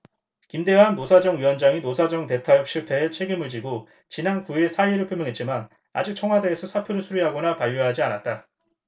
김대환 노사정위원장이 노사정 대타협 실패에 책임을 지고 지난 구 일 사의를 표명했지만 아직 청와대에서 사표를 수리하거나 반려하지 않았다